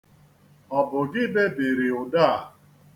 Ọ bụ gị bebiri ụdọ a?